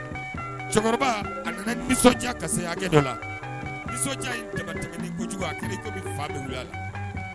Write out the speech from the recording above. Cɛkɔrɔba nana nisɔnya dɔ la faya